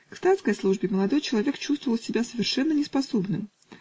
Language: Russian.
К статской службе молодой человек чувствовал себя совершенно неспособным.